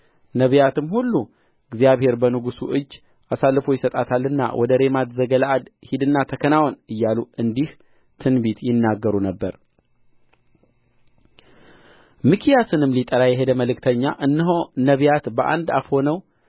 ነቢያትም ሁሉ እግዚአብሔር በንጉሡ እጅ አሳልፎ ይሰጣታልና ወደ ሬማት ዘገለዓድ ሂድና ተከናወን እያሉ እንዲሁ ትንቢት ይናገሩ ነበር ሚክያስንም ሊጠራ የሄደ መልእክተኛ እነሆ ነቢያት በአንድ አፍ ሆነው